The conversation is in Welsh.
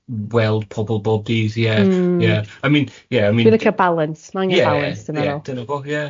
weld pobl bob dydd ie... Mm. ...ie I mean ie I mean... dwi licio balans ma' angen balans dwi'n meddwl ie... yna fo ie.